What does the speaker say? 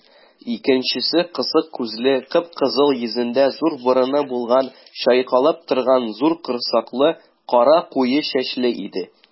Икенчесе кысык күзле, кып-кызыл йөзендә зур борыны булган, чайкалып торган зур корсаклы, кара куе чәчле иде.